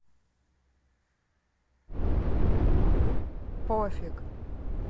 пофиг